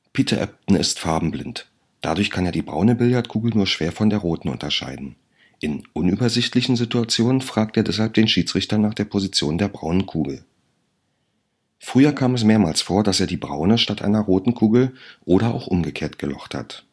Ebdon ist farbenblind. Dadurch kann er die braune Billardkugel nur schwer von den roten unterscheiden. In unübersichtlichen Situationen fragt er deshalb den Schiedsrichter nach der Position der braunen Kugel. Früher kam es mehrmals vor, dass er die braune statt einer roten Kugel (oder umgekehrt) gelocht hat